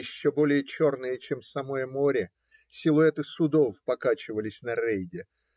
еще более черные, чем самое море, силуэты судов покачивались на рейде